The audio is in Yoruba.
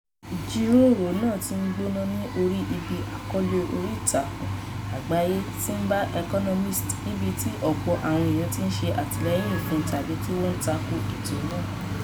Ìjíròrò náà ti ń gbóná ní orí ibi àkọọ́lẹ̀ oríìtakùn àgbáyé Zambia Economist níbi tí ọ̀pọ̀ àwọn èèyàn ti ṣe àtìlẹ́yìn fún tàbí tí wọ́n tako ètò náà.